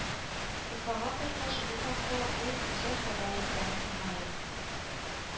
Уфага кайткач, бу хакта ул үзе хәбәр итәр, мөгаен